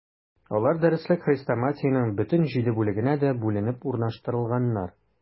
Алар дәреслек-хрестоматиянең бөтен җиде бүлегенә дә бүленеп урнаштырылганнар.